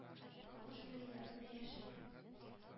Тавыш бирүләрен дә яшерми.